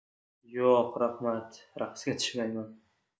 yo'q raxmat raqsga tushmayman